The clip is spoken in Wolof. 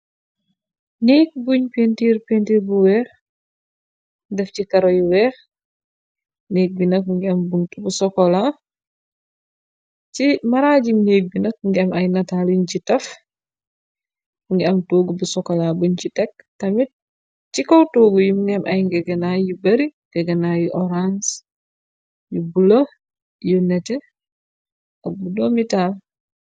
Neek buñ pintiir pintiir bu weex. def ci karo yu weex ,neeg bi nak ngiam bunt bu sokola ci marajim neeg bi nak ngi am ay nataal yuñ ci taf ngi am toog bu sokola buñ ci tekk tamit ci kow toogu yum ngem ay ngegena yu bari gegena yu orange yu bula yu nete akbu doomitaal.